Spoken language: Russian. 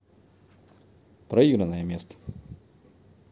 проигранное место